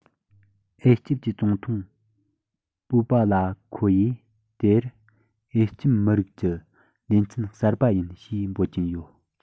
ཨེ ཅིབ ཀྱི ཙུང ཐུང མུའུ པ ལ ཁོ ཡིས དེར ཨེ ཅིབ མི རིགས ཀྱི ལེ ཚན གསར པ ཡིན ཞེས འབོད ཀྱིན ཡོད